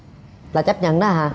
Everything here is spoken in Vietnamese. là chấp nhận đó hà